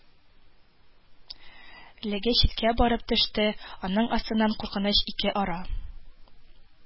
Леге читкә барып төште, аның астыннан куркыныч ике ара